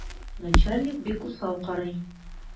Начальник бик усал карый.